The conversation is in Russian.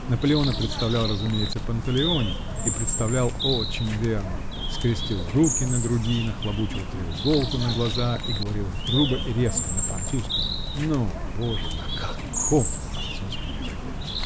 Наполеона представлял, разумеется, Панталеоне -- и представлял очень верно: скрестил руки на груди, нахлобучил трехуголку на глаза и говорил грубо и резко, на французском, но, боже! на каком французском языке!